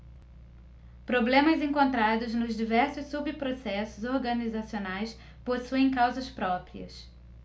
problemas encontrados nos diversos subprocessos organizacionais possuem causas próprias